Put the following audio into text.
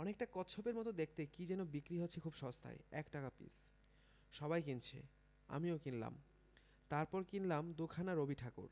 অনেকটা কচ্ছপের মত দেখতে কি যেন বিক্রি হচ্ছে খুব সস্তায় এক টাকা পিস সবাই কিনছে আমিও কিনলাম তারপর কিনলাম দু'খানা রবিঠাকুর